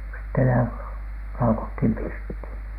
sitten - laukattiin pirttiin